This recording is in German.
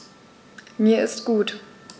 Mir ist gut.